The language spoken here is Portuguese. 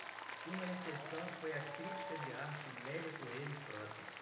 uma exceção foi a crítica de arte lélia coelho frota